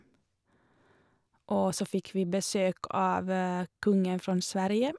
Og så fikk vi besøk av kongen fra Sverige.